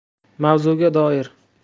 mavzuga doir